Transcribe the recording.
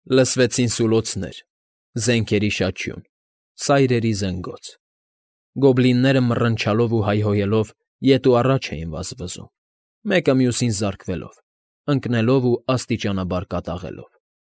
Լսվեցին սուլոցներ, զենքերի շաչյուն, սայրերի զնգոց, գոբլինները մռնչալով ու հայհոյելով ետ ու առաջ էին վազվզում, մեկը մյուսին զարկելով, ընկնելով ու աստիճանաբար կատաղելով։